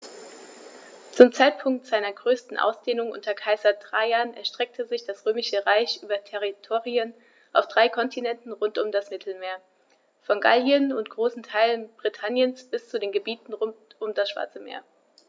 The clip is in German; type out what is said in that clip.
Zum Zeitpunkt seiner größten Ausdehnung unter Kaiser Trajan erstreckte sich das Römische Reich über Territorien auf drei Kontinenten rund um das Mittelmeer: Von Gallien und großen Teilen Britanniens bis zu den Gebieten rund um das Schwarze Meer.